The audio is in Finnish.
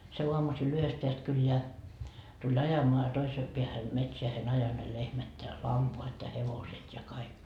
se aamusilla yhdestä päästä kylää tuli ajamaan ja toiseen päähän metsään ajoi ne lehmät ja lampaat ja hevoset ja kaikki